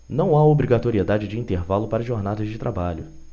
não há obrigatoriedade de intervalo para jornadas de trabalho